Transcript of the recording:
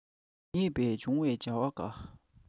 ངེས པར འབྱུང བའི བྱ བ འགའ